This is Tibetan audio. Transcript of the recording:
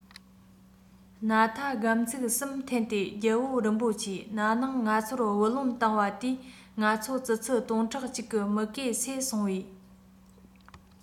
སྣ ཐ སྒམ ཚིག གསུམ འཐེན ཏེ རྒྱལ པོ རིན པོ ཆེ ན ནིང ང ཚོར བུ ལོན བཏང བ དེས ང ཚོ ཙི ཙི སྟོང ཕྲག གཅིག གི མུ གེ གསོས སོང བས